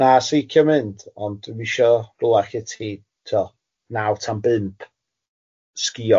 Na si'n licio mynd ond dwi'm isio rhwla lle ti tibo naw tan bump sgïo.